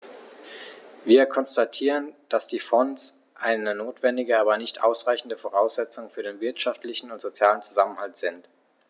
Wir konstatieren, dass die Fonds eine notwendige, aber nicht ausreichende Voraussetzung für den wirtschaftlichen und sozialen Zusammenhalt sind.